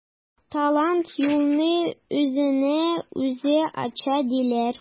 Талант юлны үзенә үзе ача диләр.